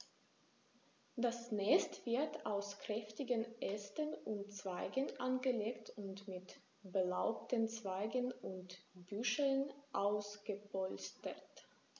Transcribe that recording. Das Nest wird aus kräftigen Ästen und Zweigen angelegt und mit belaubten Zweigen und Büscheln ausgepolstert.